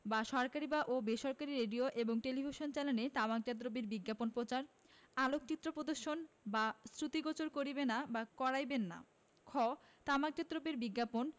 বা সরকারী ও বেসরকারী রেডিও এবং টেলিভিশন চ্যানেলে তামাকজাত দ্রব্যের বিজ্ঞাপন প্রচার আলেঅকচিত্র প্রদর্শন বা শ্রুতিগোচর করিবে না বা করাইবে না খ তামাকজাত দ্রব্যের বিজ্ঞাপন